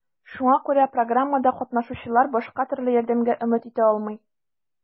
Шуңа күрә программада катнашучылар башка төрле ярдәмгә өмет итә алмый.